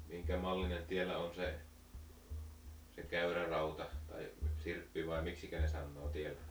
minkä mallinen täällä on se se käyrä rauta tai sirppi vai miksikä ne sanoo täällä